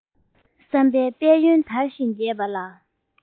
བསམ པའི དཔལ ཡོན དར ཞིང རྒྱས པ ལ